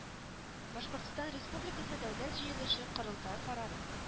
Башкортстан Республикасы Дәүләт җыелышы-Корылтай карары